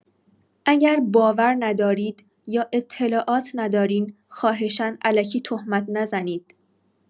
اگه باور ندارید یا اطلاعات ندارین خواهشا الکی تهمت نزنید.